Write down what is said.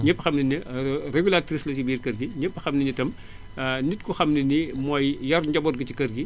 népp xam nañu ne régulatrice la ci biir kër gi ñépp xam nañu itam nit ku xam ne nii mooy yar njaboot gi ci kër gi